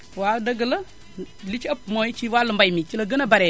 waaw dëgg la li ci ëpp mooy wàllu mbay mi ci la gën a baree